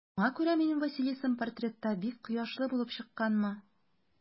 Шуңа күрә минем Василисам портретта бик кояшлы булып чыкканмы?